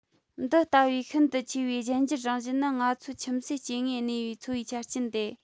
འདི ལྟ བུའི ཤིན ཏུ ཆེ བའི གཞན འགྱུར རང བཞིན ནི ང ཚོའི ཁྱིམ གསོས སྐྱེ དངོས གནས པའི འཚོ བའི ཆ རྐྱེན དེ